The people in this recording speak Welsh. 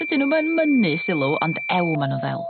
dydyn nw'm yn mynnu sylw ond ew ma' n'w'n ddel.